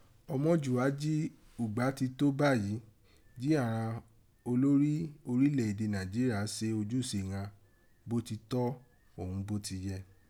Ọmọjuwa jí ùgbá ti tó bayi jí àghan olori orile ede Naijiria se ojuse ghan bó ti tó òghun bó ti yẹ.